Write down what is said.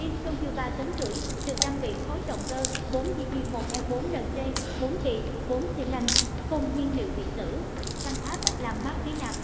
isuzu t được trang bị khối động cơ jj e nc kỳ xilanh phun nhiên liệu điện tử tăng áp làm mát khí nạp